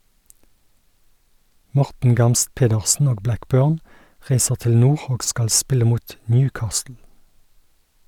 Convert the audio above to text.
Morten Gamst Pedersen og Blackburn reiser til nord og skal spille mot Newcastle.